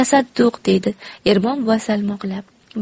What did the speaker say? tasadduq deydi ermon buva salmoqlab